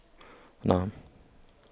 نعم